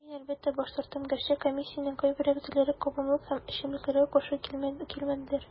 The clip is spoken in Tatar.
Мин, әлбәттә, баш тарттым, гәрчә комиссиянең кайбер әгъзаләре кабымлык һәм эчемлекләргә каршы килмәделәр.